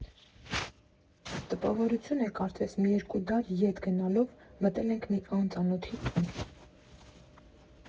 Տպավորություն է կարծես մի երկու դար ետ գնալով մտել եք մի անծանոթի տուն։